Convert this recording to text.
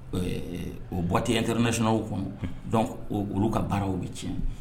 O bu intɛ nesw kɔnɔ dɔn olu ka baaraw bɛ tiɲɛ